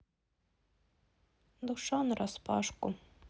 душа нараспашку